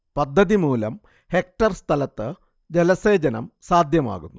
പദ്ധതിമൂലം hectare സ്ഥലത്ത് ജലസേചനം സാധ്യമാകുന്നു